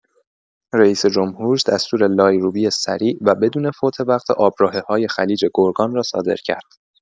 رئیس‌جمهور دستور لایروبی سریع و بدون فوت وقت آبراهه‌های خلیج گرگان را صادر کرد.